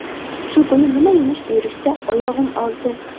shu kuni nima yumush buyurishsa oyog'im olti